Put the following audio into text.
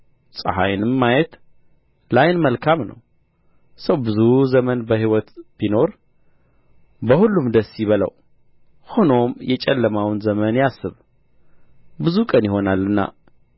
ፀሐይንም ማየት ለዓይን መልካም ነው ሰው ብዙ ዘመን በሕይወት ቢኖር በሁሉም ደስ ይበለው ሆኖም የጨለማውን ዘመን ያስብ ብዙ ቀን ይሆናልና